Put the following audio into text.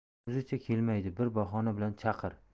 o'zicha kelmaydi bir bahona bilan chaqir